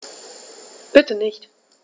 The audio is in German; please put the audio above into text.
Bitte nicht.